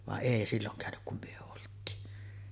vaan ei silloin käynyt kun me oltiin